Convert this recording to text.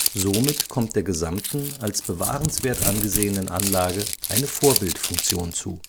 Somit kommt der gesamten, als bewahrenswert angesehenen Anlage eine Vorbildfunktion zu